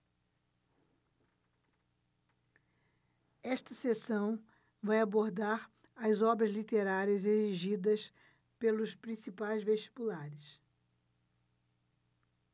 esta seção vai abordar as obras literárias exigidas pelos principais vestibulares